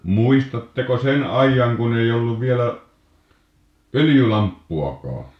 muistatteko sen ajan kun ei ollut vielä öljylamppuakaan